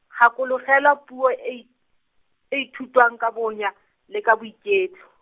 gakologelwa puo e i-, e ithutwa -ng ka bonya, le ka boiketlo.